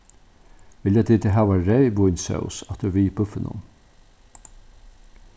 vilja tit hava reyðvínssós afturvið búffinum